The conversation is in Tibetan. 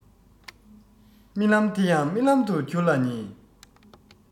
རྨི ལམ དེ ཡང རྨི ལམ དུ འགྱུར ལ ཉེ